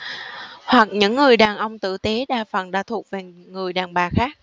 hoặc những người đàn ông tử tế đa phần đã thuộc về người đàn bà khác